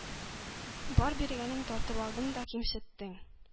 Бар биргәнең тартып алдың да кимсеттең.